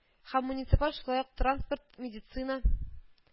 Һәм муниципаль, шулай ук транспорт, медицина